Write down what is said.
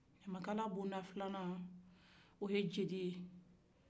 ɲamakala bonda filan o ye jeli